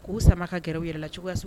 K'u sama ka gw yɛrɛ la cogo ka